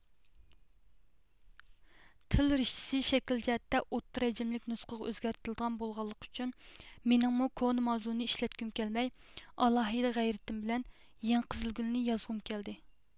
تىل رىشتىسى شەكىل جەھەتتە ئوتتۇرا ھەجىملىك نۇسخىغا ئۆزگەرتىلىدىغان بولغانلىقى ئۈچۈن مېنىڭمۇ كونا ماۋزۇنى ئىشلەتكۈم كەلمەي ئالاھىدە غەيرىتىم كېلىپ يېڭى قىزىلگۈلنى يازغۇم كەلدى